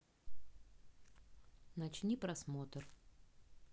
начни просмотр